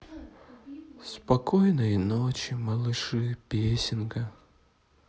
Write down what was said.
спокойной ночи малыши песенка